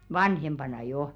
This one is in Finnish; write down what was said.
vanhempana jo